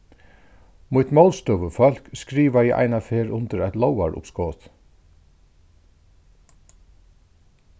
mítt mótstøðufólk skrivaði einaferð undir eitt lógaruppskot